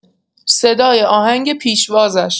صدای آهنگ پیشوازش